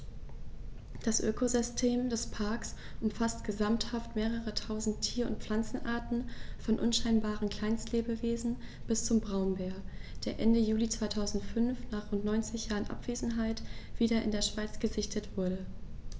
Das Ökosystem des Parks umfasst gesamthaft mehrere tausend Tier- und Pflanzenarten, von unscheinbaren Kleinstlebewesen bis zum Braunbär, der Ende Juli 2005, nach rund 90 Jahren Abwesenheit, wieder in der Schweiz gesichtet wurde.